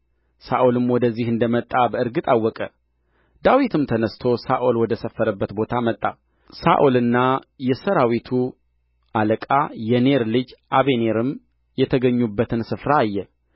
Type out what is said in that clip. ሳኦልም ወደዚህ እንደ መጣ በእርግጥ አወቀ ዳዊትም ተነሥቶ ሳኦል ወደ ሰፈረበት ቦታ መጣ ሳኦልና የሠራዊቱ አለቃ የኔር ልጅ አበኔርም የተኙበትን ስፍራ አየ